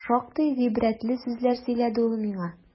Шактый гыйбрәтле сүзләр сөйләде ул миңа.